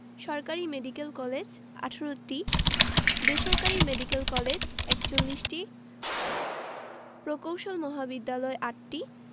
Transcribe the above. সরকারি medical college ১৮টি বেসরকারি মেডিকেল কলেজ ৪১টি প্রকৌশল মহাবিদ্যালয় ৮টি